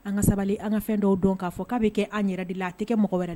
An ka sabali an ka fɛn dɔw dɔn k'a k'a bɛ kɛ an yɛrɛ de la a tɛ kɛ mɔgɔ wɛrɛ la